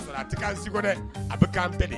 A tɛ' siko dɛ a bɛ'an bɛn de